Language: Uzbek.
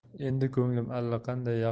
endi ko'nglim alla qanday